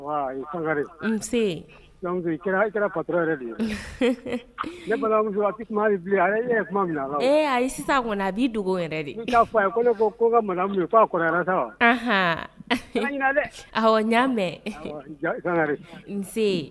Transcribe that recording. Ayi a n y mɛn